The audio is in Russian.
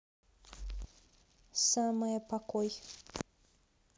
самое покой